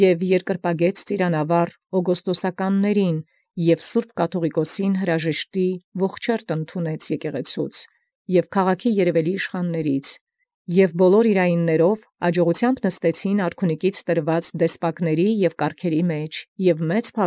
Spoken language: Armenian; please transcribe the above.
Եւ երկիր պագեալ ծիրանափառ աւգոստականացն և սրբոյ կաթուղիկոսին, և ընկալեալ ողջոյն յեկեղեցւոյն և յերևելի իշխանաց քաղաքին, և ամենայն իւրայովքն յաջողեալք՝ ելանէին ի դեսպակս և ի կառս արքունատուրս, և մեծաւ։